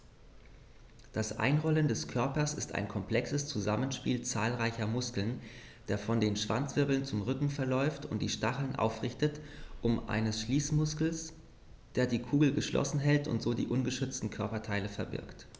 Das Einrollen des Körpers ist ein komplexes Zusammenspiel zahlreicher Muskeln, der von den Schwanzwirbeln zum Rücken verläuft und die Stacheln aufrichtet, und eines Schließmuskels, der die Kugel geschlossen hält und so die ungeschützten Körperteile verbirgt.